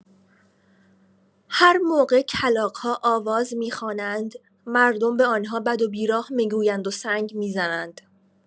هر موقع کلاغ‌ها آواز می‌خوانند، مردم به آن‌ها بد و بیراه می‌گویند و سنگ می‌زنند.